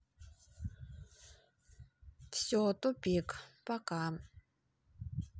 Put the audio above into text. все тупик пока